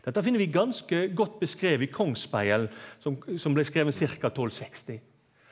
dette finn vi ganske godt beskrive i Kongsspegelen som som blei skrive ca. tolvseksti.